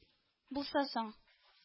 - булса соң